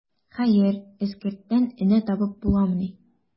Хәер, эскерттән энә табып буламыни.